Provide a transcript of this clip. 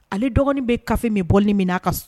Ale dɔgɔnin bɛ ka min bɔli nin mina a ka so.